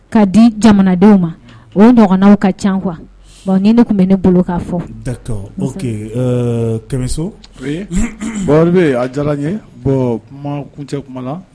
Ka di jamanadenw ma o nɔgɔ ka ca qu kuwa bon ni ne tun bɛ ne bolo k'a fɔ kɛmɛ baro bɛ a diyara n ye bɔn kumakun cɛ kuma na